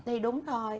thì đúng rồi